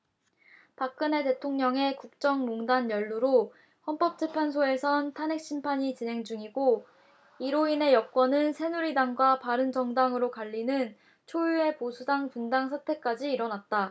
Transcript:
박근혜 대통령의 국정농단 연루로 헌법재판소에선 탄핵 심판이 진행 중이고 이로 인해 여권은 새누리당과 바른정당으로 갈리는 초유의 보수당 분당 사태까지 일어났다